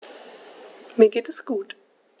Mir geht es gut.